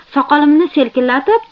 soqolimni selkillatib